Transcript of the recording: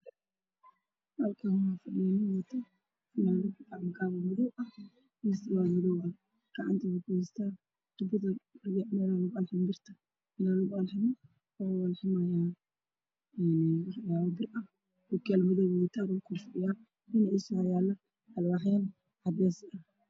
Waa nin farsamo yaqaan ok yaal madow u xiran yahayah oo biro sameynayo